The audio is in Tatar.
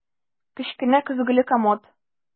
Кечкенә көзгеле комод.